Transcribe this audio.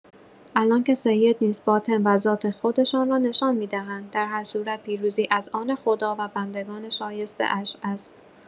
الان که سید نیست باطن و ذات خودشان را نشان می‌دهند، در هر صورت پیروزی از آن خدا و بندگان شایسته‌اش است.